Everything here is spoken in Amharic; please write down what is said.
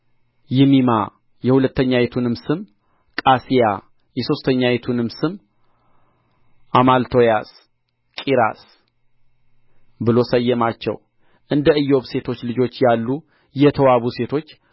ይሚማ የሁለተኛይቱንም ስም ቃስያ የሦስተኛይቱንም ስም አማልቶያስ ቂራስ ብሎ ሰየማቸው እንደ ኢዮብ ሴቶች ልጆችም ያሉ የተዋቡ ሴቶች